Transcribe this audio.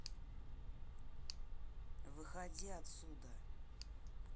выходи отсюда